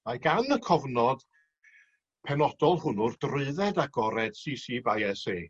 Mae gan y cofnod penodol hwnnw'r drwydded agored See See by Ess Ay.